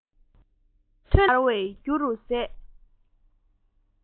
ཐོས ན སྙིང ཁ འདར བའི རྒྱུ རུ ཟད